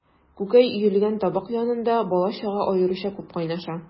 Күкәй өелгән табак янында бала-чага аеруча күп кайнаша.